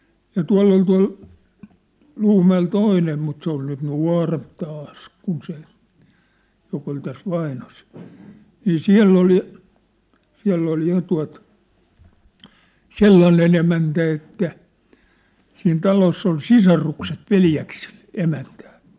ja tuolla oli tuolla Luumäellä toinen mutta se oli nyt nuorempi taas kun se joka oli tässä Vainosella niin siellä oli siellä oli ja tuota sellainen emäntä että siinä talossa oli sisarukset veljeksillä emäntänä